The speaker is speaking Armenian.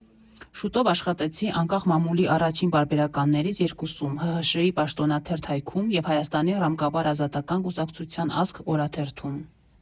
Շուտով աշխատեցի անկախ մամուլի առաջին պարբերականներից երկուսում՝ ՀՀՇ֊ի պաշտոնաթերթ «Հայք»֊ում և Հայաստանի Ռամկավար Ազատական կուսակցության «Ազգ» օրաթերթում։